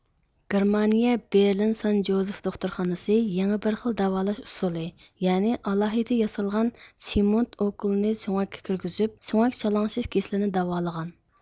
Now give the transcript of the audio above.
گېرمانىيە بېرلىن سان جوزىف دوختۇرخانىسى يېڭى بىر خىل داۋالاش ئۇسۇلى يەنى ئالاھىدە ياسالغان سېمونت ئوكۇل نى سۆڭەككە كىرگۈزۈپ سۆڭەك شالاڭلىشىش كېسىلىنى داۋالىغان